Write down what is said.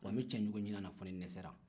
wa n bɛ tiɲɛ cogo ɲin'a la fo ni n dɛsɛra